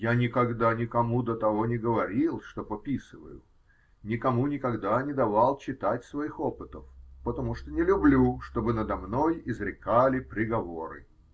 Я никогда никому до того не говорил, что пописываю, никому никогда не давал читать своих опытов, потому что не люблю, чтобы надо мной изрекали приговоры.